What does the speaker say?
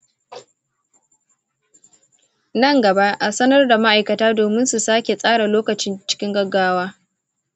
nan gaba, a sanar da ma’aikata domin su sake tsara lokacin cikin gaggawa.